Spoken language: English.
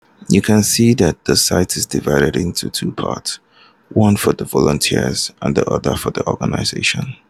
You can see that the site is divided into two parts: one for the volunteers and the other for the organizations.